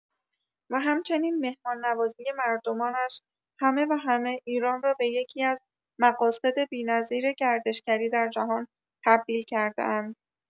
و همچنین مهمان‌نوازی مردمانش، همه و همه ایران را به یکی‌از مقاصد بی‌نظیر گردشگری در جهان تبدیل کرده‌اند.